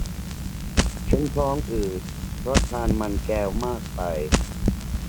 ฉันท้องอืดเพราะทานมันแกวมากไป